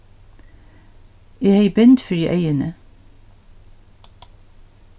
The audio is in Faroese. eg hevði bind fyri eyguni